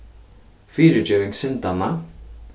fyrigeving syndanna